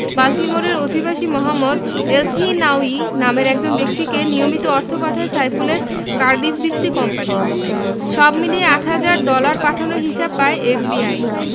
বাল্টিমোরের অধিবাসী Mohammad Elshinawy নামের এক ব্যক্তিকে নিয়মিত অর্থ পাঠায় সাইফুলের কার্ডিফভিত্তিক কোম্পানি সব মিলিয়ে আট হাজার ডলার পাঠানোর হিসাব পায় এফবিআই